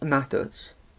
Na dwyt.